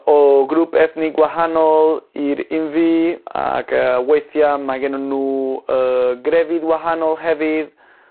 O grŵp ethnig gwahanol i'r un fi ag yy weithia' mae gennon n'w yy grefydd wahanol hefydd.